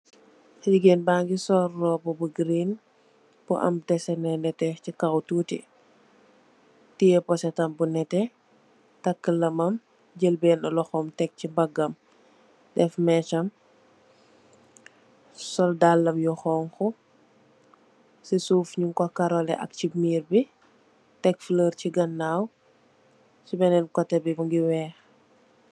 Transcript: Jigeen ba ngi sol robbu bu giriin, bu am desene nete si kaw tuuti, tiye posetam bu nete, takk lamam, jal benne loxom tek ci bagam, def meesam, sol dallem yu xonxu, si suuf nyun ko karole ak si miir bi, tek folor si ganaaw, si neneen kote bi mingi weex.